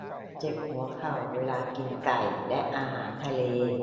เจ็บหัวเข่าเวลากินไก่และอาหารทะเล